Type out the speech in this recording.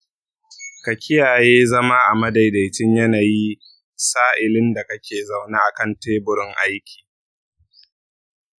ka kiyaye zama a madaidaicin yanayi sa'ilin da kake zaune a kan teburin aiki.